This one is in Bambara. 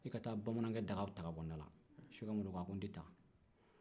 i ka taa bamanankɛ daga ta ka bɔ an da la sɛki ammadu ko a ko ne tɛ taa